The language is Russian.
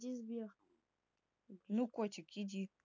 ну котик иди